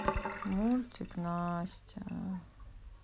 мультик настя